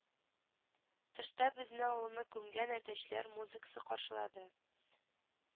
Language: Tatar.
Тышта безне авылны күмгән әтәчләр музыкасы каршылады